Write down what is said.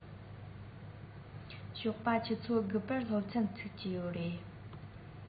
ཞོགས པ ཆུ ཚོད དགུ པར སློབ ཚན ཚུགས ཀྱི ཡོད རེད